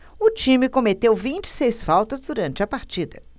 o time cometeu vinte e seis faltas durante a partida